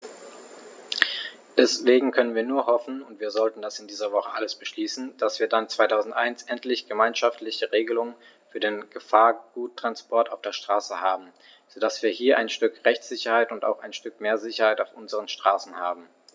Deswegen können wir nur hoffen - und wir sollten das in dieser Woche alles beschließen -, dass wir dann 2001 endlich gemeinschaftliche Regelungen für den Gefahrguttransport auf der Straße haben, so dass wir hier ein Stück Rechtssicherheit und auch ein Stück mehr Sicherheit auf unseren Straßen haben.